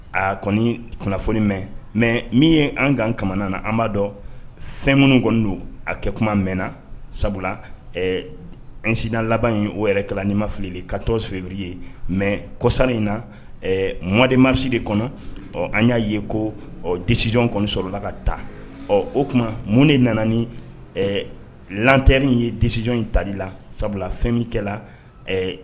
Kɔni kunnafoni mɛ mɛ min ye an kan kamana na an b'a dɔn fɛn minnu kɔni don a kɛ kuma mɛnna sabula nsinina laban in o yɛrɛ kalan ni ma fili katɔ fɛri ye mɛ kosa in na mɔdenmasi de kɔnɔ ɔ an y'a ye ko desij sɔrɔlala ka taa ɔ o tuma mun de nana ni latɛri ye desij in tali la sabula fɛn min kɛ